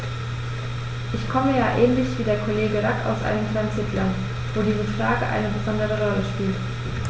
Ich komme ja ähnlich wie der Kollege Rack aus einem Transitland, wo diese Frage eine besondere Rolle spielt.